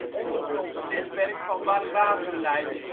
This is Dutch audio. ondergronds netwerk van warmwaterleidingen